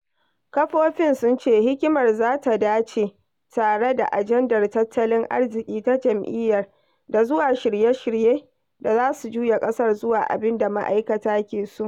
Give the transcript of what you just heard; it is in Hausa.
Kafofin sun ce hikimar za ta 'dace' tare da ajandar tattalin arziki ta jam'iyyar da shirye-shirye da za su juya ƙasar zuwa abin da ma'aikata ke so.